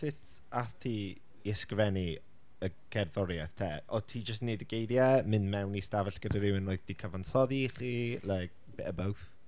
Sut aeth ti i ysgrifennu y cerddoriaeth te? O't ti jyst yn wneud y geiriau, mynd mewn i stafell gyda rhywun, like, 'di cyfansoddi i chi, like, bit of both?